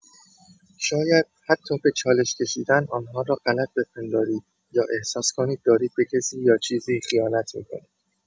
شاید حتی به چالش کشیدن آن‌ها را غلط بپندارید یا احساس کنید دارید به کسی یا چیزی خیانت می‌کنید.